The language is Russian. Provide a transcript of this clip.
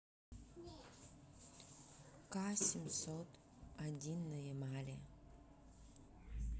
ка семьсот один на ямале